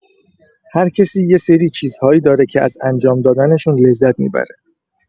هرکسی یه سری چیزهایی داره که از انجام دادنشون لذت می‌بره.